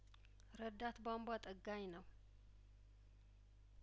ረዳት ቧንቧ ጠጋኝ ነው